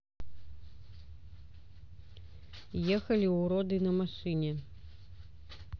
ехали уроды на машине